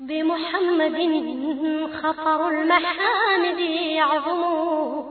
Denmugɛninunɛgɛnin yo